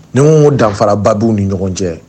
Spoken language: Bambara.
Ni ko danfara babiw ni ɲɔgɔn cɛ